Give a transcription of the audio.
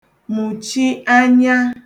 mùchi anya